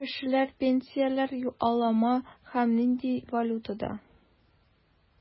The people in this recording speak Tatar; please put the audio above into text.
Кешеләр пенсияләр аламы һәм нинди валютада?